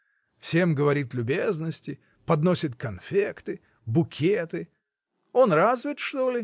Всем говорит любезности, подносит конфекты, букеты: он развит, что ли?